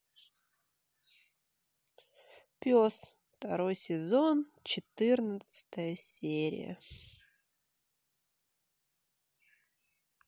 пес второй сезон четырнадцатая серия